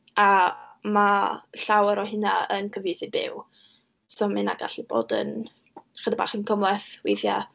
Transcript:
A ma' llawer o hynna yn cyfieithu byw, so ma' hynna gallu bod yn chydig bach yn gymhleth weithiau.